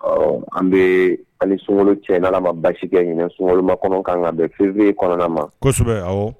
Ɔ an bɛ an sunkolon cɛ ala ma basikɛ ɲini sunma kɔnɔ kan bɛ fe kɔnɔ ma